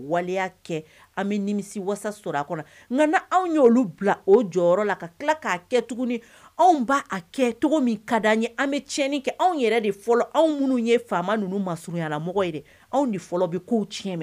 Waleya kɛ an be nimisiwasa sɔr'a kɔnɔ ŋa na anw y'olu bila o jɔyɔrɔ la ka tila k'a kɛ tuguni anw b'a a kɛ togomin kad'an ye an be tiɲɛni kɛ anw yɛrɛ de fɔlɔ anw munnu ye faama ninnu masurunyala mɔgɔ ye dɛ anw de fɔlɔ be kow tiɲɛ